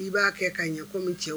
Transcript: I b'a kɛ ka ɲɛ ko min cɛ